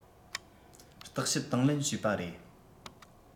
བརྟག དཔྱད དང ལེན བྱས པ རེད